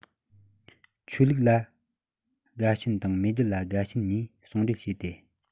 ཆོས ལུགས ལ དགའ ཞེན དང མེས རྒྱལ ལ དགའ ཞེན གཉིས ཟུང འབྲེལ བྱས ཏེ